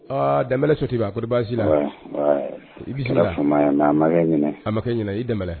Dɛɛlɛlɛ sotigi a ko baasi i'kɛ ɲɛna i dɛ